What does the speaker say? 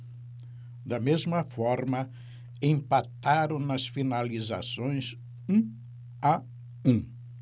da mesma forma empataram nas finalizações um a um